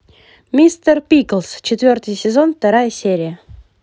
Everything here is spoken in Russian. мистер пиклз четвертый сезон вторая серия